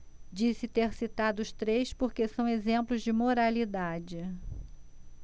disse ter citado os três porque são exemplos de moralidade